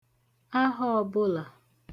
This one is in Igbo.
ahọ̀ ọ̀bụlà